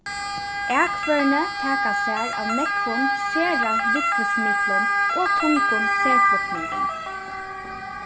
akførini taka sær av nógvum sera rúgvismiklum og tungum serflutningum